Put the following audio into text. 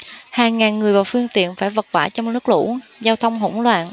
hàng ngàn người và phương tiện phải vật vã trong nước lũ giao thông hỗn loạn